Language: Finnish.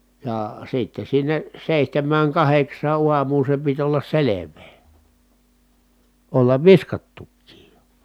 ja sitten sinne seitsemään kahdeksaan aamuun se piti olla selvää olla viskattukin jo